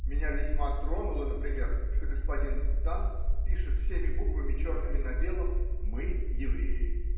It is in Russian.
Меня весьма тронуло, например, что господин Тан пишет всеми буквами черным на белом: мы, евреи.